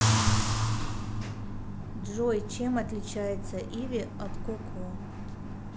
джой чем отличается ivy от коко